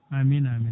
amine amine